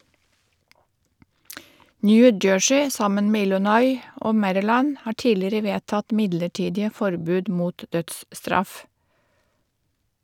New Jersey, sammen med Illinois og Maryland, har tidligere vedtatt midlertidige forbud mot dødsstraff.